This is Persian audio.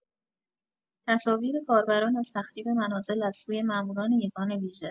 تصاویر کاربران از تخریب منازل از سوی ماموران یگان ویژه